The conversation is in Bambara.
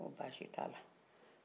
u ko basitala